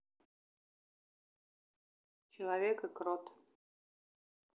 человек и крот